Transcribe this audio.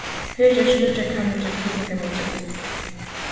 her gerst nýggja kanningin týdningarmikil